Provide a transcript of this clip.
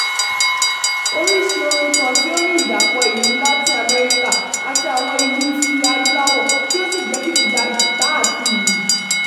Oríṣi orin kan tí ó ní ìdàpọ̀ ìlù Latin America àti àwọn ìlù ti Ilẹ̀ Adúláwò, tí ó sì jẹ́ kìkìdá jìtá àti ìlù.